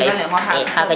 o kino leŋo xanga soom